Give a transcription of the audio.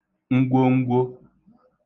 ngwongwo